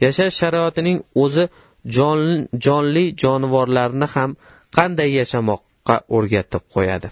yashash sharoitining o'zi jonli jonivorlarni ham qanday yashamoqni o'rganib yaratgan